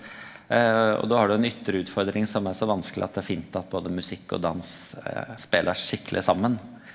og då har du ein ytre utfordring som er så vanskeleg at det er fint at både musikk og dans spelar skikkeleg saman.